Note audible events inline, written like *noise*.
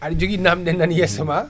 aɗa joogui namde nana yessoma *laughs* *clears throat*